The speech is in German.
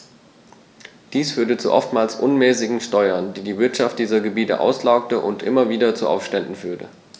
Dies führte zu oftmals unmäßigen Steuern, die die Wirtschaft dieser Gebiete auslaugte und immer wieder zu Aufständen führte.